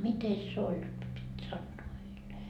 mitenkäs se oli jotta piti sanoa heille